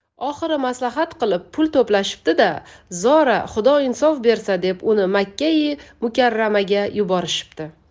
oxiri maslahat qilib pul to'plashibdi da zora xudo insof bersa deb uni makkai mukarramaga yuborishibdi